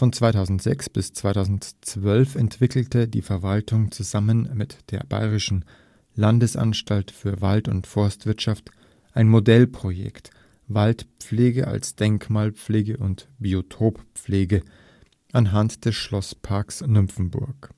2006 bis 2012 entwickelte die Verwaltung zusammen mit der Bayerischen Landesanstalt für Wald und Forstwirtschaft ein Modellprojekt „ Waldpflege als Gartendenkmalpflege und Biotoppflege “anhand des Schlossparks Nymphenburg